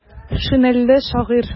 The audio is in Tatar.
Шинельле шагыйрь.